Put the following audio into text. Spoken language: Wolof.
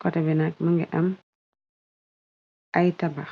kote binag më ngi am ay tabax